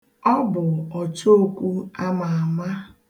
Ọ bụ ọchookwu a ma ama.